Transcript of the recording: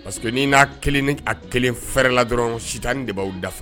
Parce que n' n'a kelen ni a kelen fɛrɛɛrɛ la dɔrɔn sita de b'aw dafa